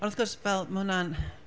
Ond wrth gwrs fel mae hwnna'n ...